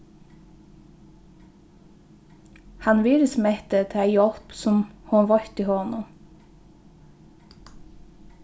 hann virðismetti ta hjálp sum hon veitti honum